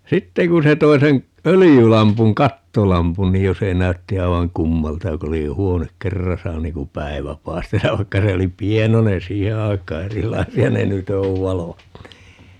sitten kun se toi sen öljylampun kattolampun niin jo se näytti aivan kummalta jo kun oli huone kerrassa niin kuin päivä paistaisi ja vaikka se oli pienoinen siihen aikaan erilaisia ne nyt on valot niin